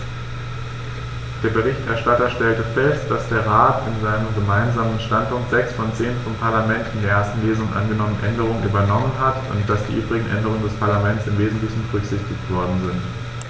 Der Berichterstatter stellte fest, dass der Rat in seinem Gemeinsamen Standpunkt sechs der zehn vom Parlament in der ersten Lesung angenommenen Änderungen übernommen hat und dass die übrigen Änderungen des Parlaments im wesentlichen berücksichtigt worden sind.